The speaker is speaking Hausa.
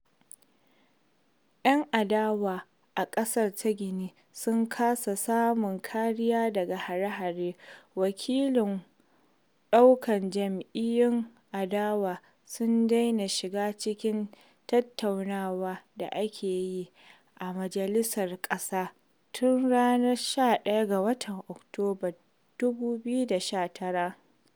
Yan adawa a ƙasar ta Gini sun kasa samun kariya daga hare-hare: wakilan dukkan jam'iyyun adawa sun daina shiga cikin tattaunawa da ake yi a majalisar ƙasa tun ranar 11 ga Oktoba 2019.